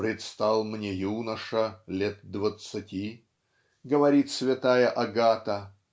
"Предстал мне юноша лет двадцати", -- говорит святая Агата.